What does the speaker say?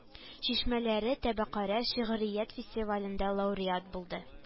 Чишмәләре төбәкара шигърият фестивалендә лауреат булды